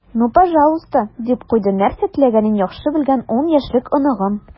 "ну пожалуйста," - дип куйды нәрсә теләгәнен яхшы белгән ун яшьлек оныгым.